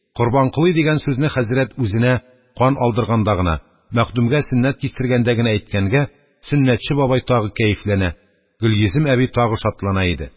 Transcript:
Корбанколый» дигән сүзне хәзрәт үзенә кан алдырганда гына, мәхдүмгә сөннәт кистергәндә генә әйткәнгә, Сөннәтче бабай тагы кәефләнә, Гөлйөзем әби тагы шатлана иде.